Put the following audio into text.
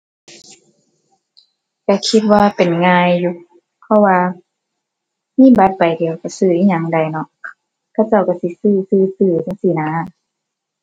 ก็คิดว่าเป็นง่ายอยู่ เพราะว่ามีบัตรใบเดียวก็ซื้ออิหยังได้เนาะ เขาเจ้าก็สิซื้อซื้อซื้อจั่งซี้นะ